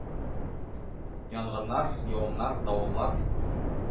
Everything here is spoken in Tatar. Янгыннар, явымнар, давыллар,